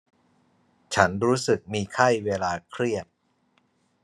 ฉันรู้สึกมีไข้เวลาเครียด